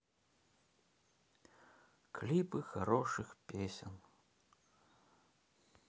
клипы хороших песен